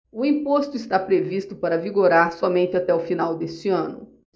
o imposto está previsto para vigorar somente até o final deste ano